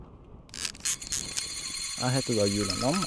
Jeg heter da Julian Lam.